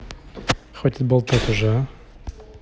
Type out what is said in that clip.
хватит болтать уже а